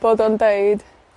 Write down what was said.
bod o'n deud,